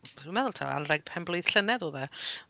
Dwi'n meddwl taw anrheg penblwydd llynedd oedd e .